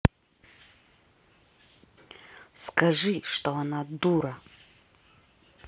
скажи что она дура